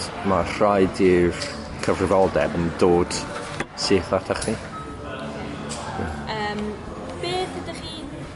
ma' rhaid i'r cyfrifoldeb yn dod syth atach chi. Oce. Hm. Yym beth ydych chi'n